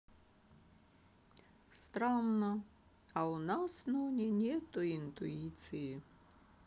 странно а у нас ноне нету интуиции